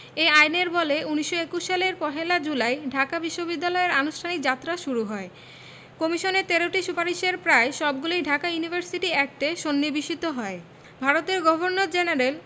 এ আইনের বলে ১৯২১ সালের ১ জুলাই ঢাকা বিশ্ববিদ্যালয়ের আনুষ্ঠানিক যাত্রা শুরু হয় কমিশনের ১৩টি সুপারিশের প্রায় সবগুলিই ঢাকা ইউনিভার্সিটি অ্যাক্টে সন্নিবেশিত হয় ভারতের গভর্নর জেনারেল